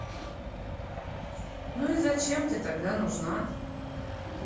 ну и зачем ты тогда нужна